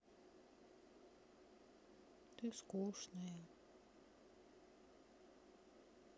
ты скучная